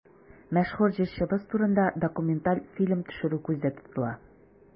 Мәшһүр җырчыбыз турында документаль фильм төшерү күздә тотыла.